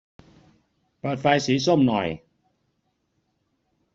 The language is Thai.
เปิดไฟสีส้มหน่อย